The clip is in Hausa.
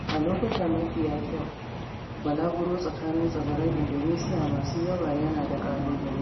A lokuta mafiya kyau, bulaguro tsakanin tsibiran Indonesiya masu yawa yana da ƙalubale.